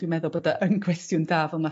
...dwi'n meddwl bod o yn chwestiwn da fel ma'...